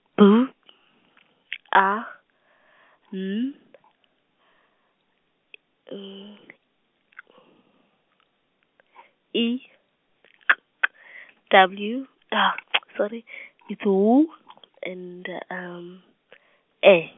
B , A , N , E, K K , W, sorry it's W and E.